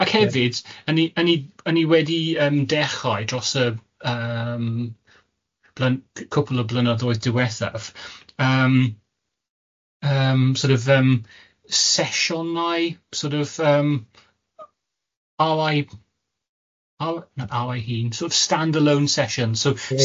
Ac hefyd, o'n i o'n i o'n i wedi yym dechrau dros y yym bl- c- cwpl o blynyddoedd diwethaf yym yym sort of yym sesiynau sort of yym awy aw- naw awy hŷn, sort of stand-alone sessions so yeah. Ie ie.